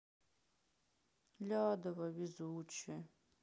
лядова везучая